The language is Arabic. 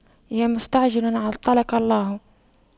يا مستعجل عطلك الله